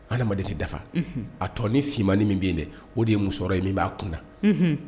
Adamaden dafa a tɔ ni sima min bɛ yen dɛ o de ye muso ye min b'a kun na